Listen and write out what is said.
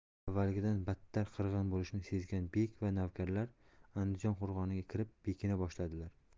endi avvalgidan battar qirg'in bo'lishini sezgan bek va navkarlar andijon qo'rg'oniga kirib bekina boshladilar